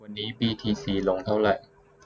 วันนี้บีทีซีลงเท่าไหร่